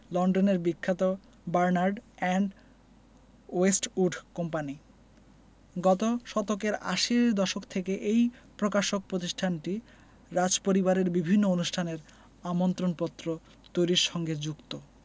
লন্ডনের বিখ্যাত Bernard and Westwood company গত শতকের আশির দশক থেকে এই প্রকাশক প্রতিষ্ঠানটি রাজপরিবারের বিভিন্ন অনুষ্ঠানের আমন্ত্রণপত্র তৈরির সঙ্গে যুক্ত